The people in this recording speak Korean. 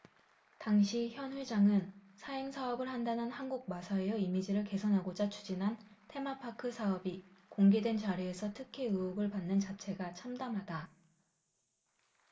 당시 현 회장은 사행사업을 한다는 한국마사회의 이미지를 개선하고자 추진한 테마파크 사업이 공개된 자리에서 특혜 의혹을 받는 자체가 참담하다